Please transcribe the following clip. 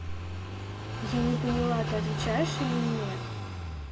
я не поняла ты отвечаешь или нет